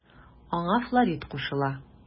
Аңа Флорид кушыла.